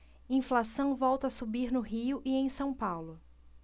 inflação volta a subir no rio e em são paulo